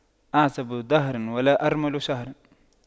أعزب دهر ولا أرمل شهر